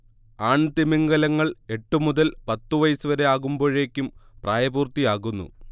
ആൺതിമിംഗിലങ്ങൾ എട്ടു മുതൽ പത്ത് വയസ്സുവരെ ആകുമ്പോഴേക്കും പ്രായപൂർത്തിയാകുന്നു